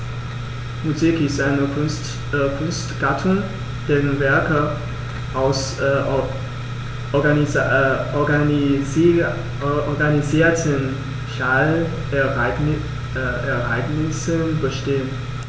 Musik ist eine Kunstgattung, deren Werke aus organisierten Schallereignissen bestehen.